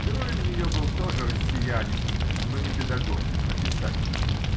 Героем ее был тоже россиянин, но не педагог, а писатель.